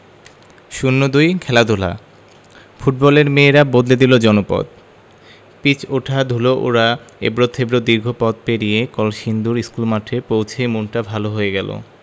০২ খেলাধুলা ফুটবলের মেয়েরা বদলে দিল জনপদ পিচ ওঠা ধুলো ওড়া এবড়োখেবড়ো দীর্ঘ পথ পেরিয়ে কলসিন্দুর স্কুলমাঠে পৌঁছেই মনটা ভালো হয়ে গেল